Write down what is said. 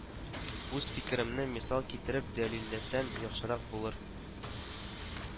Үз фикеремне мисал китереп дәлилләсәм, яхшырак булыр